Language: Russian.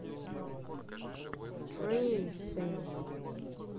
streisand